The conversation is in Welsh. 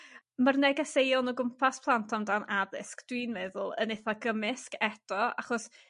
Ma'r negeseuon o gwmpas plant amdan addysg dwi'n meddwl yn itha gymysg eto achos